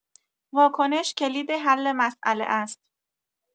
واکنش کلید حل مسئله است.